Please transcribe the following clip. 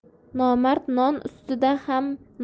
nomard non ustida